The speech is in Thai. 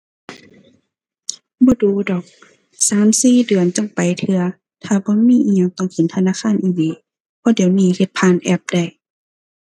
บ่ดู๋ดอก สามสี่เดือนจั่งไปเทื่อ ถ้าบ่มีอิหยังต้องถึงธนาคารอีหลี เพราะเดี๋ยวนี้เฮ็ดผ่านแอปได้